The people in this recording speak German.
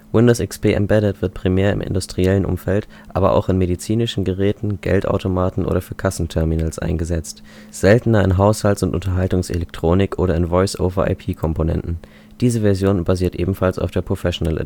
Windows XP Embedded wird primär im industriellen Umfeld, aber auch in medizinischen Geräten, Geldautomaten oder für Kassenterminals eingesetzt, seltener in Haushalts - und Unterhaltungselektronik oder in Voice-over-IP-Komponenten. Diese Version basiert ebenfalls auf der Professional